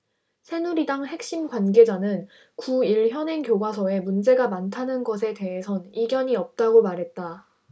새누리당 핵심 관계자는 구 일 현행 교과서에 문제가 많다는 것에 대해선 이견이 없다고 말했다